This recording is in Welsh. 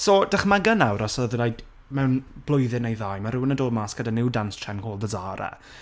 so, dychmyga nawr os odd raid... mewn blwyddyn neu ddau ma' rywun yn dod mas gyda new dance trend called, 'The Zara'.